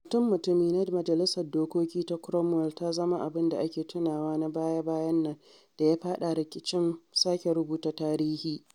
Mutum-mutumi na Majalisar Dokoki ta Cromwell ta zama abin da ake tunawa na baya-bayan nan da ya faɗa ‘rikicin sake rubuta tarihi’